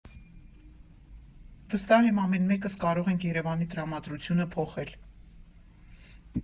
Վստահ եմ, ամեն մեկս կարող ենք Երևանի տրամադրությունը փոխել։